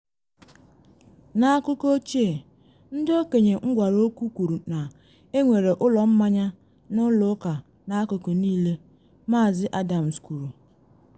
“N’akụkọ ochie, ndị okenye m gwara okwu kwuru na enwere ụlọ mmanya na ụlọ ụka n’akụkụ niile,” Maazị Adams kwuru.